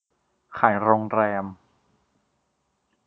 ขายโรงแรม